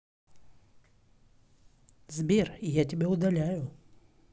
сбер я тебя удаляю